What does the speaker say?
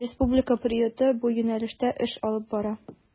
Республика приюты бу юнәлештә эш алып бара.